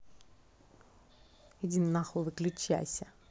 иди нахуй выключайся